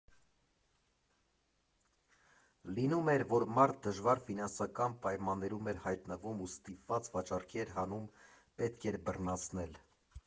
Լինում էր, որ մարդ դժվար ֆինանսական պայմաններում էր հայտնվում ու ստիպված վաճառքի էր հանում, պետք էր բռնացնել։